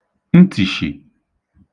ntìshì